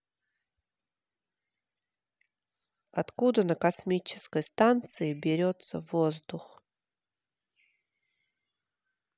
откуда на космической станции берется воздух